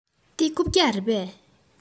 འདི རྐུབ བཀྱག རེད པས